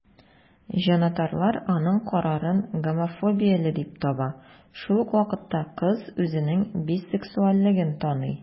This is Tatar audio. Җанатарлар аның карарын гомофобияле дип таба, шул ук вакытта кыз үзенең бисексуальлеген таный.